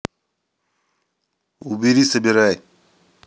убери собирай